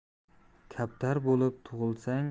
kaptar bo'lib tug'ilsang